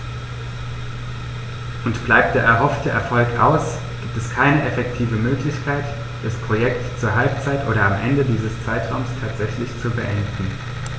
Und bleibt der erhoffte Erfolg aus, gibt es keine effektive Möglichkeit, das Projekt zur Halbzeit oder am Ende dieses Zeitraums tatsächlich zu beenden.